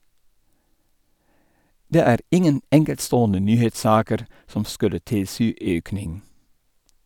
- Det er ingen enkeltstående nyhetssaker som skulle tilsi økning.